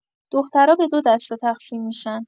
دخترا به دو دسته تقسیم می‌شن